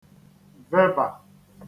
vebà